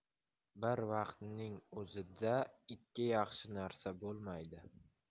bir vaqtning o'zida ikki yaxshi narsa bo'lmaydi